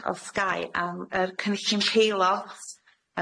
o s- os gai am yr cynllun peilot,